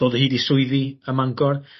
dod o hyd i swyddi ym Mangor